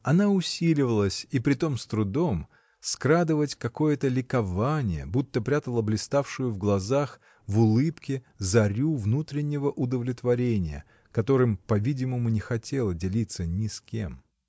Она усиливалась, и притом с трудом, скрадывать какое-то ликование, будто прятала блиставшую в глазах, в улыбке зарю внутреннего удовлетворения, которым, по-видимому, не хотела делиться ни с кем.